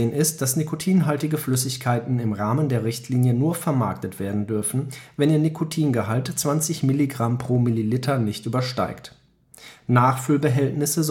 ist, dass nikotinhaltige Flüssigkeiten im Rahmen der Richtlinie nur vermarktet werden dürfen, wenn ihr Nikotingehalt 20 Milligramm pro Milliliter nicht übersteigt; Nachfüllbehältnisse